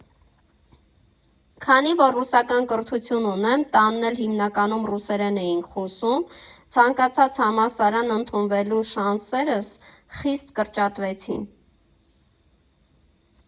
Քանի որ ռուսական կրթություն ունեմ, տանն էլ հիմնականում ռուսերեն էինք խոսում՝ ցանկացած համալսարան ընդունվելու շանսերս խիստ կրճատվեցին։